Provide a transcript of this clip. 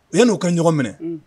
Yani u ka ɲɔgɔn minɛ, unhun